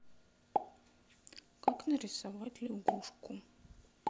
как как нарисовать лягушку